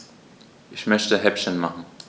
Ich möchte Häppchen machen.